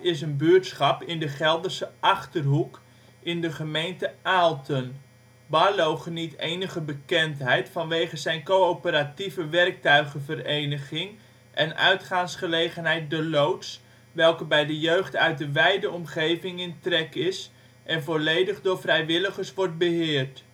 is een buurtschap in de Gelderse Achterhoek, in de gemeente Aalten. Barlo geniet enige bekendheid vanwege zijn Coöperatieve Werktuigen Vereniging (CWV) en uitgaansgelegenheid De Loods welke bij de jeugd uit de wijde omgeving in trek is, en volledig door vrijwilligers wordt beheerd.